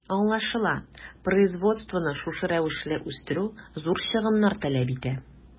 Аңлашыла, производствоны шушы рәвешле үстерү зур чыгымнар таләп итә.